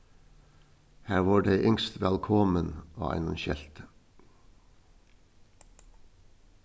har vórðu tey ynskt vælkomin á einum skelti